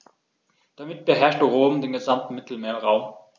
Damit beherrschte Rom den gesamten Mittelmeerraum.